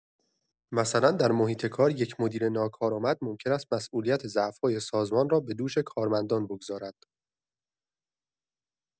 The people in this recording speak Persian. مثلا در محیط کار، یک مدیر ناکارآمد ممکن است مسئولیت ضعف‌های سازمان را به دوش کارمندان بگذارد.